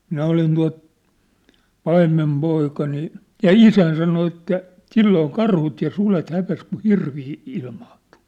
minä olin tuota paimenpoika niin ja isäni sanoi että silloin karhut ja sudet hävisi kun hirviä ilmaantui